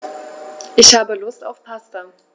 Ich habe Lust auf Pasta.